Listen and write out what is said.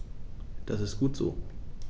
Das ist gut so.